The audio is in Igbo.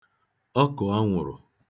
ọkụ̀anwụ̀rụ̀